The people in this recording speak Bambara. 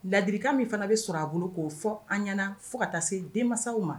Ladi min fana bɛ sɔrɔ a bolo k'o fɔ an ɲɛnaana fo ka taa se denmanw ma